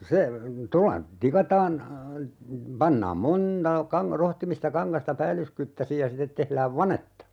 se tuolla tikataan pannaan monta - rohtimista kangasta päällyskyttäisin ja sitten tehdään vanetta